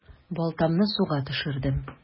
Балтамны суга төшердем.